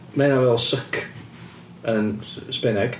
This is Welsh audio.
Ma' hynna'n feddwl suck yn Sbaeneg.